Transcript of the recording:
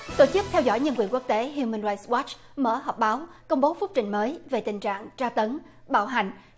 tổ chức theo dõi nhân quyền quốc tế hiu mần roai goát mở họp báo công bố phúc trình mới về tình trạng tra tấn bạo hành